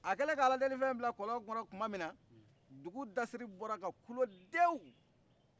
a kɛle k'a la deli fɛn in bila kɔlɔn kɔnɔ tuma min na dugu dasir bɔra ka kule dewu